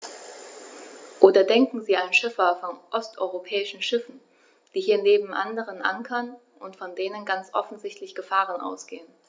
Oder denken Sie an Schiffer von osteuropäischen Schiffen, die hier neben anderen ankern und von denen ganz offensichtlich Gefahren ausgehen.